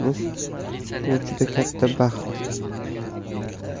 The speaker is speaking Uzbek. munosib bo'lish bu juda katta baxt